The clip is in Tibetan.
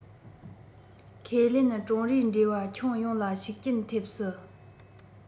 ཁས ལེན ཀྲུང རིའི འབྲེལ བ ཁྱོན ཡོངས ལ ཤུགས རྐྱེན ཐེབས སྲིད